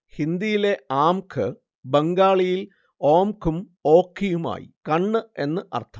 ഹിന്ദിയിലെ ആംഖ് ബംഗാളിയിൽ ഓംഖും ഓഖിയുമായി കണ്ണ് എന്ന് അർത്ഥം